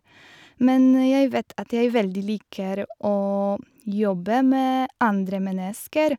Men jeg vet at jeg veldig liker å jobbe med andre mennesker.